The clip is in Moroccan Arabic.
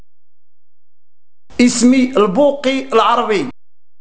اسمي الباقي العربي